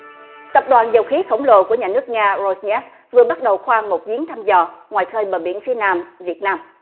tập đoàn dầu khí khổng lồ của nhà nước nga rô nhét vừa bắt đầu khoan một giếng thăm dò ngoài khơi bờ biển phía nam việt nam